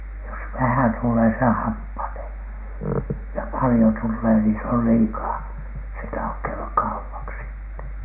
jos vähän tulee se happanee ja paljon tulee niin se oli liikaa se ei tahdo käydä kaupaksi -